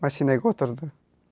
borib mashinaga o'tirdi